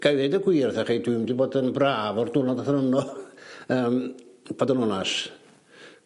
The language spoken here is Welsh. gai ddeud y gwir wrthach chi dwi' 'im 'di bod yn braf o'r diwrnod ath o'n yno yym bod yn onash.